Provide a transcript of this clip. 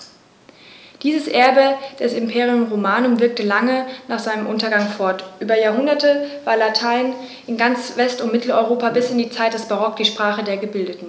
Dieses Erbe des Imperium Romanum wirkte lange nach seinem Untergang fort: Über Jahrhunderte war Latein in ganz West- und Mitteleuropa bis in die Zeit des Barock die Sprache der Gebildeten.